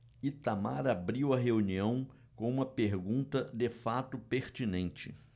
itamar abriu a reunião com uma pergunta de fato pertinente